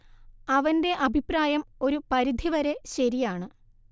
അവന്റെ അഭിപ്രായം ഒരു പരിധി വരെ ശരിയാണ്